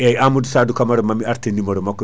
eyyi Amadou Sadou Camara mami arte numéro makko